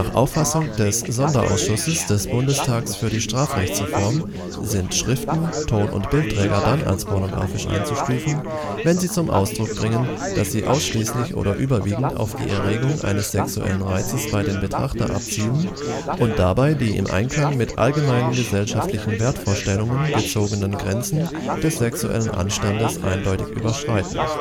Auffassung des Sonderausschusses des Bundestags für die Strafrechtsreform sind Schriften, Ton - und Bildträger dann als pornografisch einzustufen, wenn sie „ zum Ausdruck bringen, daß sie ausschließlich oder überwiegend auf die Erregung eines sexuellen Reizes bei dem Betrachter abzielen und dabei die im Einklang mit allgemeinen gesellschaftlichen Wertvorstellungen gezogenen Grenzen des sexuellen Anstandes eindeutig überschreiten